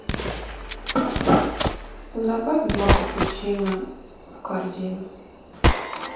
добавь два капучино в корзину